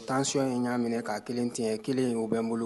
Tension in y'a minɛ ka kelen tiɲɛ kelen in u bɛ n bolo